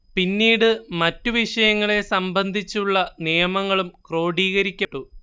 പിന്നീട് മറ്റു വിഷയങ്ങളെ സംബന്ധിച്ചുള്ള നിയമങ്ങളും ക്രോഡീകരിക്കപ്പെട്ടു